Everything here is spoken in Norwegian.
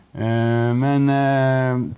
men .